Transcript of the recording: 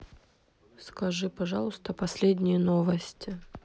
скажи пожалуйста последние новости